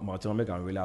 Mɔgɔ caman bɛ ka'a wele